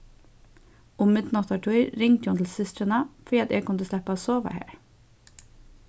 um midnáttartíð ringdi hon til systrina fyri at eg kundi sleppa at sova har